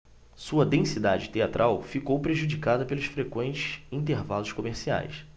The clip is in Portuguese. sua densidade teatral ficou prejudicada pelos frequentes intervalos comerciais